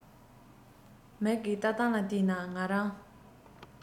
མིག གིས ལྟ སྟངས ལ བལྟས ན ང རང